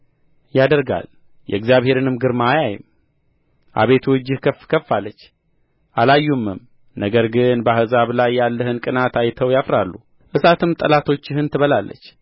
ያደርጋል የእግዚአብሔርንም ግርማ አያይም አቤቱ እጅህ ከፍ ከፍ አለች አላዩምም ነገር ግን በሕዝብህ ላይ ያለህን ቅንዓት አይተው ያፍራሉ እሳትም ጠላቶችህን ትበላለች